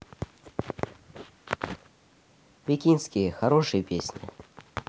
пекинские хорошие песни